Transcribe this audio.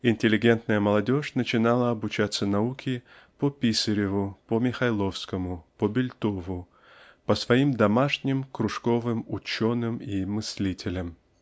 Интеллигентная молодежь начинала обучаться науке по Писареву по Михайловскому по Бельтову по своим домашним кряковым "ученым" и "мыслителям".